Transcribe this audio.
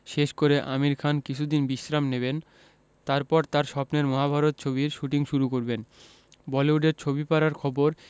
শেষ করে আমির খান কিছুদিন বিশ্রাম নেবেন তারপর তাঁর স্বপ্নের মহাভারত ছবির শুটিং শুরু করবেন বলিউডের ছবিপাড়ার খবর